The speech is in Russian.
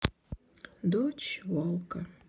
дочь волка